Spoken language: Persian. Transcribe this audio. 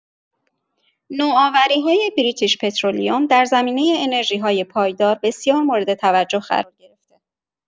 نوآوری‌های بریتیش‌پترولیوم در زمینه انرژی‌های پایدار بسیار مورد توجه قرار گرفته.